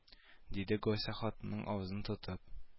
Диде гайса хатынының авызын тотып